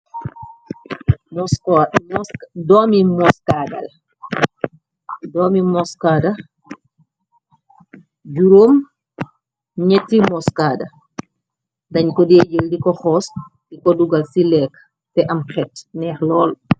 Moska doomi moskaada la doomi moskaada juróom ñeeti moscada deñ ko dee jël di ko xoos di ko dugal ci leka te am xet neex lool.